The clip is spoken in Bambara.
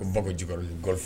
Ko bako ja